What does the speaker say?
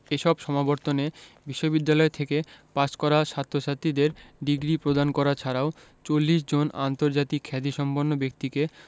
এসব সমাবর্তনে বিশ্ববিদ্যালয় থেকে পাশ করা ছাত্রছাত্রীদের ডিগ্রি প্রদান করা ছাড়াও ৪০ জন আন্তর্জাতিক খ্যাতিসম্পন্ন ব্যক্তিকে